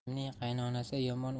qizimning qaynonasi yomon